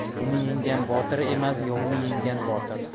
dovni yenggan botir emas yovni yengan botir